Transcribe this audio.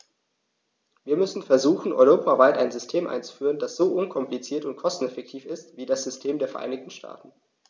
Wir müssen versuchen, europaweit ein System einzuführen, das so unkompliziert und kosteneffektiv ist wie das System der Vereinigten Staaten.